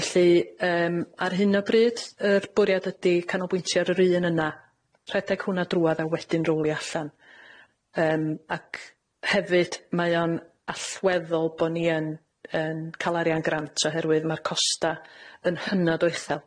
Felly yym ar hyn o bryd yr bwriad ydi canolbwyntio ar yr un yna, rhedeg hwnna drwadd a wedyn rowlio allan yym ac hefyd mae o'n allweddol bo' ni yn yn ca'l arian grant oherwydd ma'r costa yn hynod o uchel.